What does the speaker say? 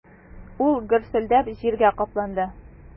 Ул гөрселдәп җиргә капланды.